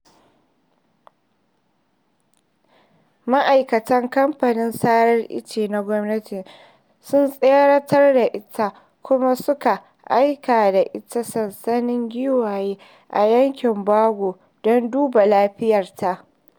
Ma'aikatan kamfanin saran ice na gwamnati sun tseratar da ita kuma suka aika da ita sansanin giwaye a Yankin Bago don duba lafiyarta.